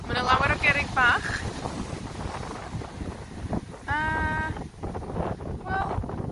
Ma' 'na lawer o gerrig bach, a wel,